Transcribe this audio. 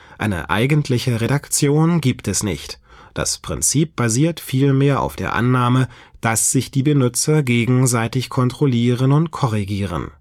Eine eigentliche Redaktion gibt es nicht, das Prinzip basiert vielmehr auf der Annahme, dass sich die Benutzer gegenseitig kontrollieren und korrigieren